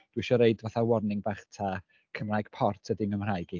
dwi isio roid fatha warning bach ta Cymraeg Port ydy Nghymraeg i.